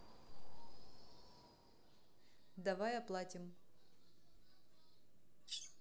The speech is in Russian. давай оплатим